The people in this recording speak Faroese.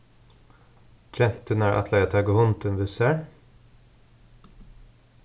genturnar ætlaðu at taka hundin við sær